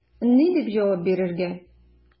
Ни дип җавап бирергә?